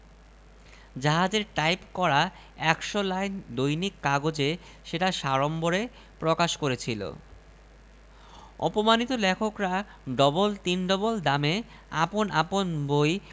জাহাজের টাইপ করা একশ লাইন দৈনিক কাগজে সেটা সাড়ম্বরে প্রকাশ করেছিল অপমানিত লেখকরা ডবল তিন ডবল দামে আপন আপন বই